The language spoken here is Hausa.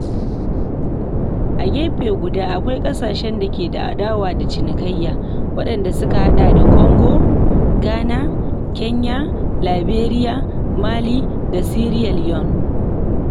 A gefe guda akwai ƙasashen da ke adawa da cinikayya, waɗanda suka haɗa da Kongo, Ghana, Kenya, Liberia, Mali da Sierra Leone.